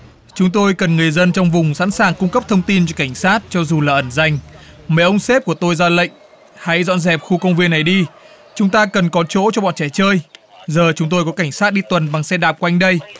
chúng tôi cần người dân trong vùng sẵn sàng cung cấp thông tin cho cảnh sát cho dù là ẩn danh mấy ông sếp của tôi ra lệnh hãy dọn dẹp khu công viên này đi chúng ta cần có chỗ cho bọn trẻ chơi giờ chúng tôi có cảnh sát đi tuần bằng xe đạp quanh đây